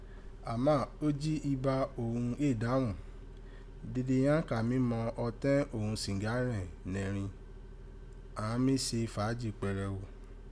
Àmá o j́i iba oghun éè daghun, dede ghan kàn mi mọ ọtẹ́n òghun sìgá rẹ̀n nẹ́ẹ̀ rin, án mí se faaji pẹrẹu.